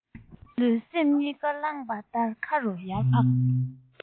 ལུས སེམས གཉིས ཀ རླངས པ ལྟར མཁའ རུ ཡར འཕགས